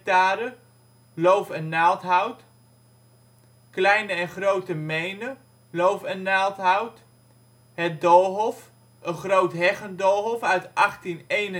ha): loof - en naaldhout Kleine en Groote Meene: loof - en naaldhout Het Doolhof: Een groot heggendoolhof uit 1891